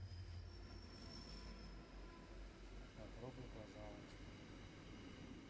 попробуй пожалуйста